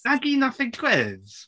'Na gyd wnaeth ddigwydd.